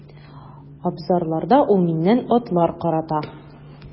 Абзарларда ул миннән атлар карата.